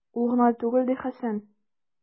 Ул гына түгел, - ди Хәсән.